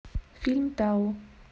фильм тау